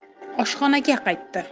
oshxonaga qaytdi